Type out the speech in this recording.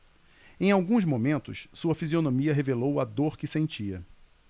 em alguns momentos sua fisionomia revelou a dor que sentia